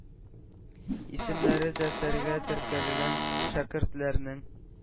Исемнәре дәфтәргә теркәлгән шәкертләрнең